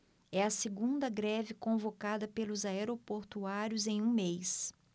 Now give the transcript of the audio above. é a segunda greve convocada pelos aeroportuários em um mês